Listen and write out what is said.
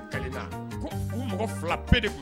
U mɔgɔ 2